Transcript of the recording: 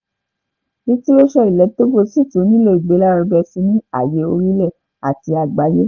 Litiréṣọ̀ ilẹ̀ Togo sì tún nílò ìgbélárugẹ síi ní àyè orílẹ̀ àti ní àgbáyé.